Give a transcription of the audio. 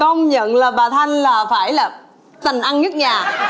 công nhận là bà thanh là phải là sành ăn nhất nhà